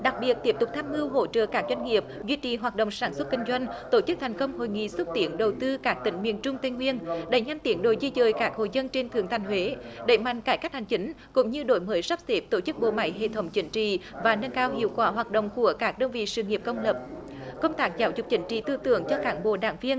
đặc biệt tiếp tục tham mưu hỗ trợ các doanh nghiệp duy trì hoạt động sản xuất kinh doanh tổ chức thành công hội nghị xúc tiến đầu tư các tỉnh miền trung tây nguyên đẩy nhanh tiến độ di dời các hộ dân trên thượng thành huế đẩy mạnh cải cách hành chính cũng như đổi mới sắp xếp tổ chức bộ máy hệ thống chính trị và nâng cao hiệu quả hoạt động của các đơn vị sự nghiệp công lập công tác giáo dục chính trị tư tưởng cho cán bộ đảng viên